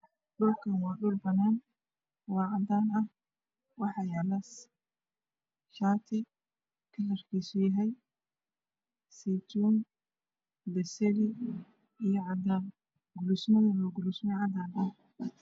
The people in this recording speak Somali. Halkaan waa dhul banan oo cadaan ah waxaa yaaalo shaati kalarkiisu yahay saytuun basali iyo cadaan kulsmadana waa guluusmo cadaan ah